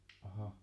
aha